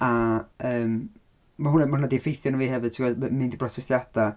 A yym, mae hwnna, mae hwnna 'di effeithio arno fi hefyd. Timod? Mynd i brotestiadau.